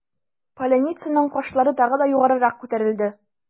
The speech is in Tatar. Поляницаның кашлары тагы да югарырак күтәрелде.